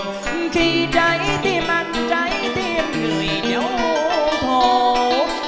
khi trái tim anh trái tim người châu thổ